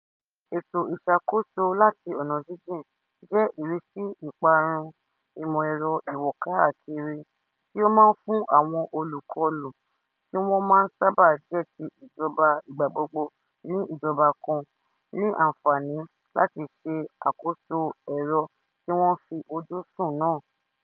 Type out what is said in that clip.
Ètò ìṣàkóso láti ọ̀nà jíjìn jẹ́ ìrísí ìparun ìmọ̀-ẹ̀rọ ìwòkáàkiri tí ó máa ń fún àwọn olùkọlù, tí wọ́n máa ń sábà jẹ́ ti ìjọba igbagbogbo ni ijọba kan, ní àǹfààní láti ṣe àkóso ẹ̀rọ tí wọ́n fi ojú sùn náà.